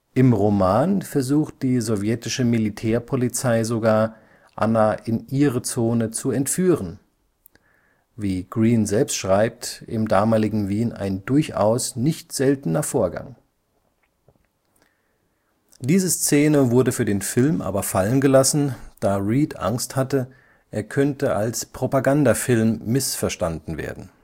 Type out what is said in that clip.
Im Roman versucht die sowjetische Militärpolizei sogar, Anna in ihre Zone zu entführen (wie Greene selbst schreibt: im damaligen Wien ein durchaus nicht seltener Vorgang). Diese Szene wurde für den Film aber fallen gelassen, da Reed Angst hatte, er könnte als Propagandafilm missverstanden werden